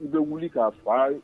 N bɛ wuli k'a fa ye